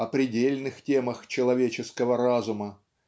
о предельных темах человеческого разума